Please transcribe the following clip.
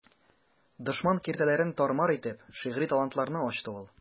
Дошман киртәләрен тар-мар итеп, шигъри талантларны ачты ул.